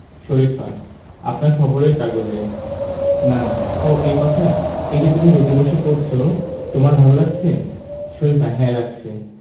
শরিফা আপনার খবরের কাগজে নানা ও এই কথা এই যে তুমি রোদে বসে পড়ছ তোমার ভালো লাগছে শরিফা হ্যাঁ লাগছে